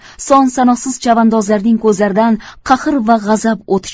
son sanoqsiz chavandozlarning ko'zlaridan qahr va g'azab o'ti